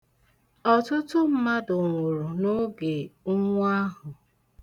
Ọtụtụ mmadụ nwụrụ n'oge ụnwụ ahụ.